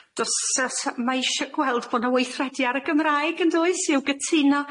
do's 'a t-... Ma' isio gweld bo' 'na weithredu ar y Gymraeg yn does, i'w gytuno,